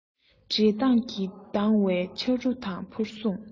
བྲེད དངངས ཀྱིས བརྡལ བའི ཆ རུ དང ཕུར ཟུངས